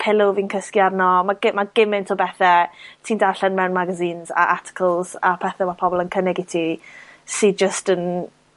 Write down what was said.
pillow fi'n cysgu arno, ma gi- ma' giment o bethe ti'n darllen mewn magazines a articles a pethe ma' pobol yn cynnig i ti, sy jyst yn,